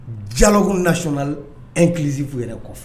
Jalokun natina e kilisisinfu yɛrɛ kɔfɛ